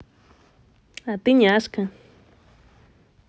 а ты няшка